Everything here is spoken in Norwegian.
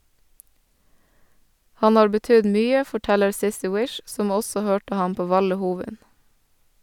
Han har betydd mye, forteller Sissy Wish, som også hørte ham på Valle Hovin.